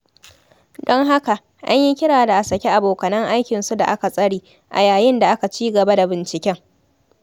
Don haka, anyi kira da a saki abokanan aikin su da aka tsare, a yayin da aka ci gaba da binciken.